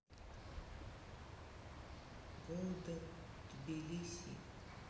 голден тбилиси